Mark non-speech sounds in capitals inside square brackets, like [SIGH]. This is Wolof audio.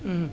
[HESITATION] [HESITATION]